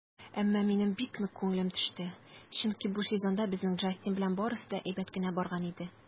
Әмма минем бик нык күңелем төште, чөнки бу сезонда безнең Джастин белән барысы да әйбәт кенә барган иде.